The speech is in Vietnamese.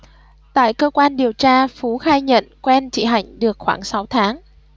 tại cơ quan điều tra phú khai nhận quen chị hạnh được khoảng sáu tháng